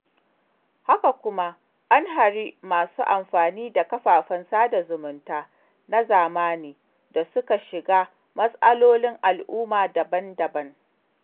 Haka kuma, an hari masu amfani da kafafen sada zumunta na zamani da suka shiga mas'alolin al'umma daban-daban.